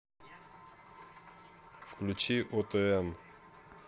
включи отн